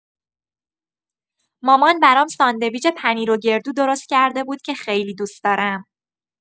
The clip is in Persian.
مامان برام ساندویچ پنیر و گردو درست کرده بود که خیلی دوست دارم.